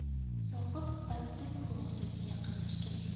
zohid badbin xulosaga yaqinlashgan edi